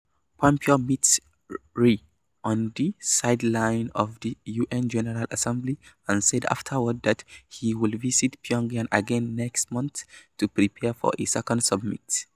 Pompeo met Ri on the sidelines of the U.N. General Assembly and said afterwards that he would visit Pyongyang again next month to prepare for a second summit.